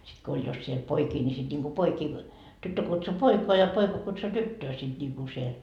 sitten kun oli jos siellä poikia niin sitten niin kuin poikia tyttö kutsui poikaa ja poika kutsui tyttöä sitten niin kuin siellä